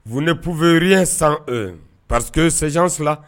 vous ne pouvez rien sans eux parce que ces gens là